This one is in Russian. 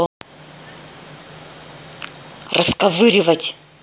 расковыривать